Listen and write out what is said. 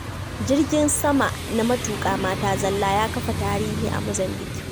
Jirgin sama na matuƙa mata zalla ya kafa tarihi a Mozambiƙue